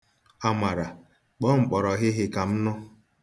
Amara, kpọọ mkpọrọhịhị ka m nụ.